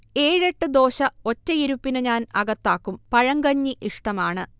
ഏഴെട്ട് ദോശ ഒറ്റയിരുപ്പിനു ഞാൻ അകത്താക്കും, പഴങ്കഞ്ഞി ഇഷ്ടമാണ്